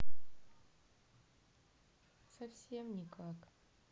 совсем никак